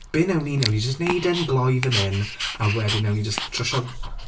Be wnewn ni nawr, wnewn ni jyst wneud e'n gloi fan hyn a wedyn wnewn ni jyst trwsio...